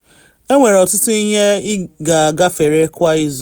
Enwere ọtụtụ ihe ị ga-agafere kwa izu.